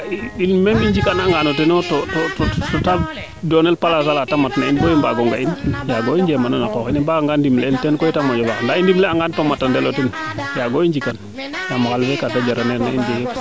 kaaga meme i njika naan no ten to te doonel place ala te mat na in bo i mbaago nga in yaago i njemanan a qoox in de i mbaaga nga ndimle el teen koy te moƴo faax ndaa i ndimle a ngaan to mata nel o ten yago i njikan yaam xaal fe kaate jaral neer na in jegee